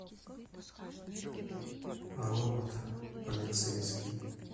робот полицейский